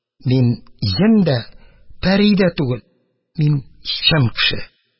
Мин җен дә, пәри дә түгел, мин чын кеше.